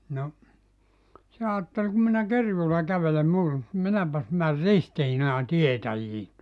no se ajatteli kun minä kerjuulla kävelen muutoinkin niin minäpäs menen Ristiinaan tietäjiin tuota